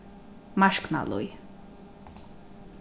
marknalíð